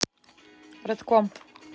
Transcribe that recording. родком